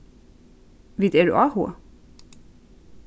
vit eru áhugað